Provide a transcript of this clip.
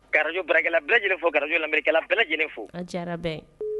Garij barakɛlala bɛ lajɛlen fo garijo m bɛ fo